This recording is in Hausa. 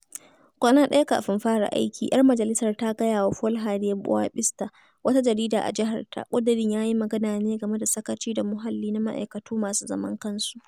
Kwana ɗaya kafin fara aiki, 'yar majalisar ta gaya wa Folha de Boa ɓista, wata jarida a jiharta, ƙudurin ya yi magana ne game da sakaci da muhalli na ma'aikatu masu zaman kansu: